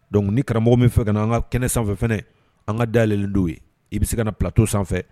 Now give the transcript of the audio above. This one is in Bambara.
Donc ni karamɔgɔ min be fɛ kana an ŋa kɛnɛ sanfɛ fɛnɛ an ŋa da yɛlɛlen don u ye i be se kana plateau sanfɛ